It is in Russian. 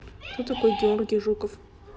кто такой георгий жуков